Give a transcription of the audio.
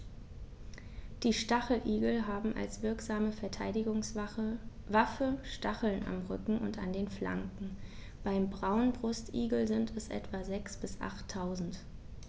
Die Stacheligel haben als wirksame Verteidigungswaffe Stacheln am Rücken und an den Flanken (beim Braunbrustigel sind es etwa sechs- bis achttausend).